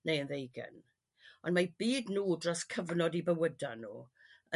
neu yn ddeugen ond ma' 'u byd nhw dros cyfnod 'u bywyda nhw